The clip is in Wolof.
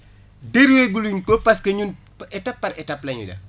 déroulé gu ñu ko parce que ñun étape par étape lañuy def